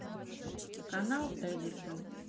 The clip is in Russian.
канал эдисон